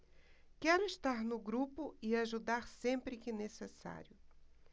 quero estar no grupo e ajudar sempre que necessário